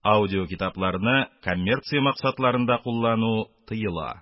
Аудиокитапларны коммерция максатларда куллану тыела.